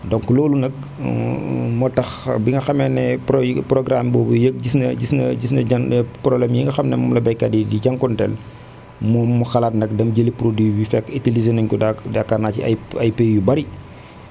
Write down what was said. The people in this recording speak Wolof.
donc loolu nag moo tax bi nga xamee ne pro programme boobu yëgg gis na gis na gis na jan problèmes yi nga xam ne moom la baykat yi di jànkuwanteel mu xalaat nag dem jëli produit bi fekk utilisé nañu ko da yaakaar naa si ay pays yu bëri